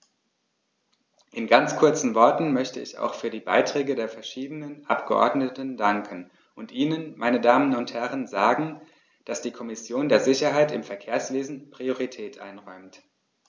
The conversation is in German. In ganz kurzen Worten möchte ich auch für die Beiträge der verschiedenen Abgeordneten danken und Ihnen, meine Damen und Herren, sagen, dass die Kommission der Sicherheit im Verkehrswesen Priorität einräumt.